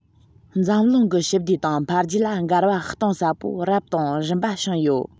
འཛམ གླིང གི ཞི བདེ དང འཕེལ རྒྱས ལ འགལ བ གཏིང ཟབ པོ རབ དང རིམ པ བྱུང ཡོད